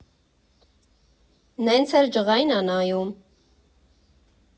Նենց էլ ջղայն ա նայում…